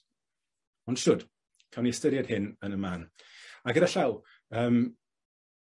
Ond shwd? Cawn ni ystyried hyn yn y man. A gyda llaw yym